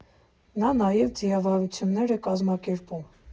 Նա նաև ձիավարություններ է կազմակերպում։